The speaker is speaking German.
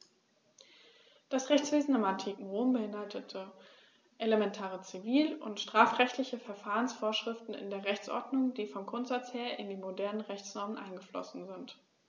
Das Rechtswesen im antiken Rom beinhaltete elementare zivil- und strafrechtliche Verfahrensvorschriften in der Rechtsordnung, die vom Grundsatz her in die modernen Rechtsnormen eingeflossen sind.